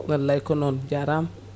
wallay ko noon jarama